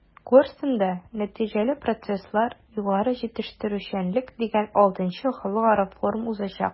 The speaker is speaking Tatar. “корстон”да “нәтиҗәле процесслар-югары җитештерүчәнлек” дигән vι халыкара форум узачак.